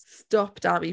Stop Dami.